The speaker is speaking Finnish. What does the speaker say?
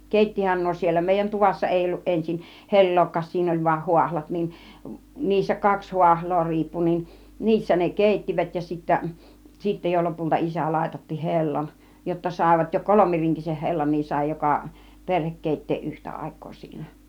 keittihän nuo siellä meidän tuvassa ei ollut ensin hellaakaan siinä oli vain haahlat niin niissä kaksi haahlaa riippui niin niissä ne keittivät ja sitten sitten jo lopulta isä laitatti hellan jotta saivat jo kolmirinkisen hellan niin sai joka perhe keittää yhtä aikaa siinä